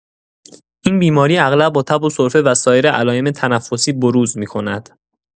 این بیماری اغلب با تب و سرفه و سایر علائم تنفسی بروز می‌کند.